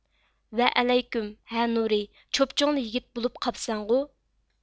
ۋەئەلەيكۇم ھە نۇرى چوپچوڭلا يىگىت بولۇپ قاپسەنغۇ